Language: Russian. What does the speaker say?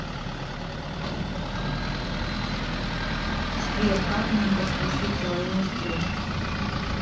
сбер как нам подключить твое устройство